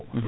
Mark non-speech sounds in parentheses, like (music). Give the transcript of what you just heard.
(hesitation) (hesitation)